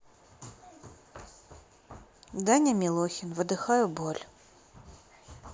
даня милохин выдыхаю боль